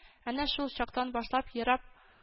Әнә шул чактан башлап, ерап